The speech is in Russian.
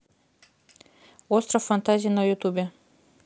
остров фантазий на ютубе